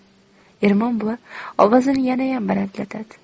ermon buva ovozini yanayam balandlatadi